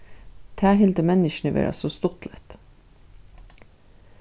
tað hildu menniskjuni vera so stuttligt